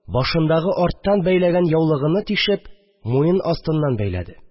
Башындагы арттан бәйләгән яулыгыны тишеп, муен астыннан бәйләде